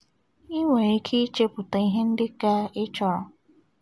Ị nwere ike ịchepụta ihe dị ka ị chọrọ.